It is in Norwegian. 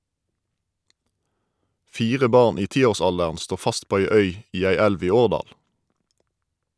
Fire barn i tiårsalderen står fast på ei øy i ei elv i Årdal.